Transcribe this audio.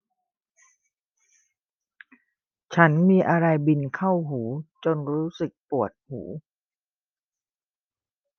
ฉันมีอะไรบินเข้าหูจนรู้สึกปวดหู